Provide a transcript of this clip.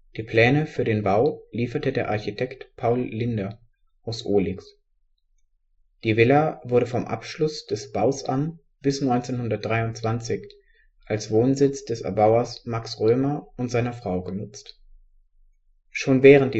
Die Pläne für den Bau lieferte der Architekt Paul Linder aus Ohligs. Die Villa wurde vom Abschluss des Baus an bis 1923 als Wohnsitz des Erbauers Max Römer und seiner Frau genutzt. Schon während